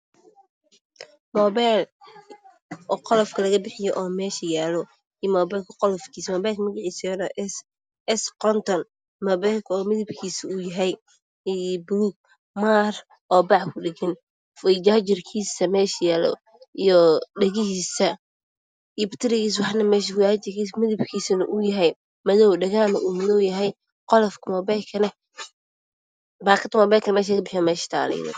Waa muubeel oo qolofka laga bixiyay oo meesha yaalo iyo qolofkiisa. Muubeelka magaciisa waa s50, midabkiisu waa buluug maari oo bac kudhagan iyo jaajarkiisa oo meesha yaalo iyo dhagihiisa, batariga midabkiisu waa madow, dhagaha waa madow waxaa meesha taalo baakada muubeelka laga bixiyay.